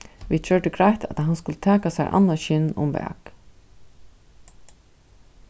vit gjørdu greitt at hann skuldi taka sær annað skinn um bak